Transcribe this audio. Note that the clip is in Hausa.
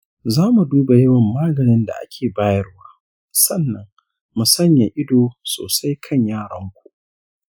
zamu duba yawan maganin da ake bayarwa sannan mu sanya ido sosai kan yaronku.